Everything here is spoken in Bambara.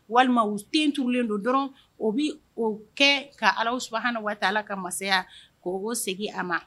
Walima u dentigiwlen don dɔrɔn o bɛ' kɛ ka ala su waati la ka masaya k'o'o segin a ma